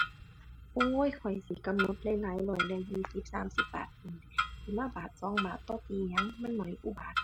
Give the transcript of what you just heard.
โอ้ย ข้อยสิกำหนดหลายหลายร้อยแหน่ ยี่สิบสามสิบบาทพู้น สิมาบาทสองบาทต่อปีหยัง มันน้อยอุบาทว์